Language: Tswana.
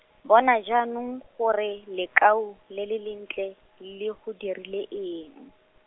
bona jaanong gore, lekau, le le lentle, le go dirile eng?